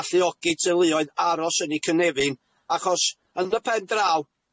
galluogi teuluoedd aros yn 'u cynefin achos yn dy pen draw